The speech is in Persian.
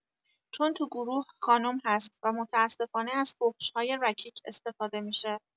چون تو گروه خانم هست و متاسفانه از فحش‌های رکیک استفاده می‌شه